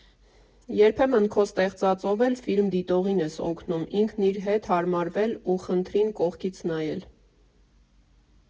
Երբեմն քո ստեղծածով էլ ֆիլմ դիտողին ես օգնում ինքն իր հետ հարմարվել ու խնդրին կողքից նայել.